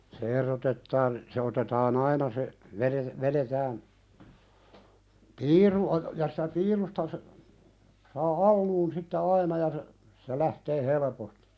se erotetaan se otetaan aina se - vedetään piiru - ja sitä piirusta - saa alun sitten aina ja se se lähtee helposti